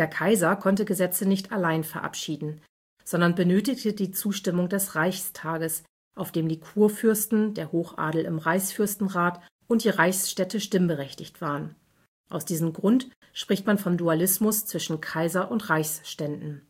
Kaiser konnte Gesetze nicht allein verabschieden, sondern benötigte die Zustimmung des Reichstages, auf dem die Kurfürsten, der Hochadel im Reichsfürstenrat und die Reichsstädte stimmberechtigt waren. Aus diesem Grund spricht man vom Dualismus zwischen Kaiser und Reichsständen